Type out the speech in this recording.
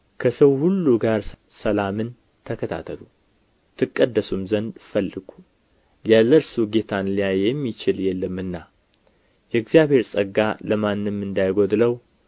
ከሰው ሁሉ ጋር ሰላምን ተከታተሉ ትቀደሱም ዘንድ ፈልጉ ያለ እርሱ ጌታን ሊያይ የሚችል የለምና የእግዚአብሔር ጸጋ ለማንም እንዳይጎድለው